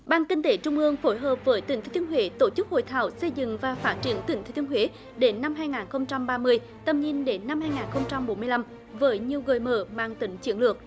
ban kinh tế trung ương phối hợp với tỉnh thừa thiên huế tổ chức hội thảo xây dựng và phát triển tỉnh thừa thiên huế đến năm hai nghìn không trăm ba mươi tầm nhìn đến năm hai nghìn không trăm bốn mươi lăm với nhiều người mở mang tính chiến lược